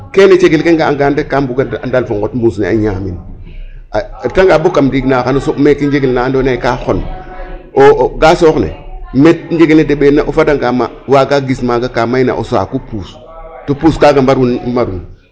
Kene cegel ke nga'angaan rek kaa mbugaa ndal fo nqot mbuss ne a ñaamin a retanga bo kam ndiig na xan o soɓ meke njegal na andoona yee ka xon ga'a soox ne me njegel ne deɓeena o fadanga ma waaga giss maaga ka mayna o saaku puus to puus kaaga mbarun.